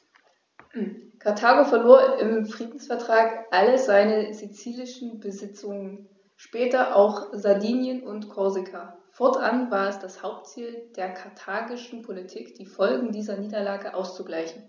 Karthago verlor im Friedensvertrag alle seine sizilischen Besitzungen (später auch Sardinien und Korsika); fortan war es das Hauptziel der karthagischen Politik, die Folgen dieser Niederlage auszugleichen.